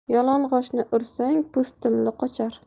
yalang'ochni ursang po'stinli qochar